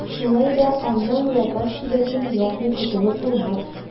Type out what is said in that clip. Шулай да аннан лапас түбәсен япмый котылып булмас.